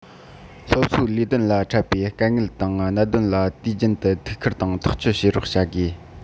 སློབ གསོའི ལས དོན ལ འཕྲད པའི དཀའ ངལ དང གནད དོན ལ དུས རྒྱུན དུ ཐུགས ཁུར དང ཐག གཅོད བྱེད རོགས བྱ དགོས